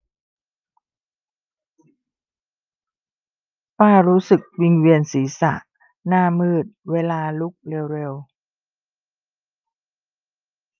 ป้ารู้สึกวิงเวียนศีรษะหน้ามืดเวลาลุกเร็วเร็ว